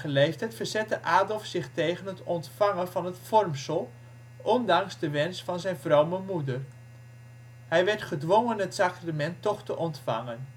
leeftijd verzette Adolf zich tegen het ontvangen van het vormsel, ondanks de wens van zijn vrome moeder. Hij werd gedwongen het sacrament toch te ontvangen